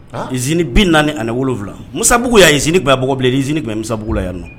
Zi bin naani ani wolowula mubugu' ye zi kunya bɔ bilen iisabugu la yan nɔ